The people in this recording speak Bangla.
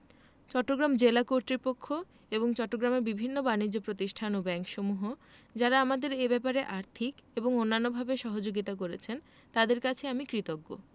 চট্টগ্রাম জেলা কর্তৃপক্ষ এবং চট্টগ্রামের বিভিন্ন বানিজ্য প্রতিষ্ঠান ও ব্যাংকসমূহ যারা আমাদের এ ব্যাপারে আর্থিক এবং অন্যান্যভাবে সহযোগিতা করেছেন তাঁদের কাছে আমি কৃতজ্ঞ